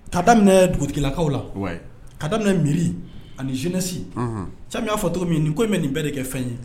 Ka daminɛ dugutigilakaw la . Ka daminɛ mairie ani jeunesses fɛn min ya fɔ cogo min nin ko in bɛ nin bɛɛ de kɛ fɛn ye.